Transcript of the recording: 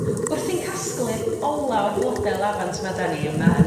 ... wrthi'n casglu'r ola o'r blode lafant 'ma 'dan ni yma ym...